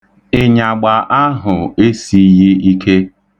Ịnyagba ahụ esighị ike.